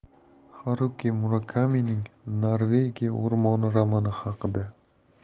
xaruki murakamining norvegiya o'rmoni romani haqida